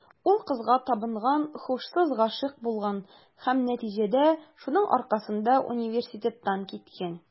Ул кызга табынган, һушсыз гашыйк булган һәм, нәтиҗәдә, шуның аркасында университеттан киткән.